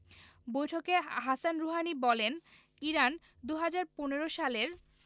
বৈঠকে Hassan Rouhani বলেন Iran ২০১৫ সালের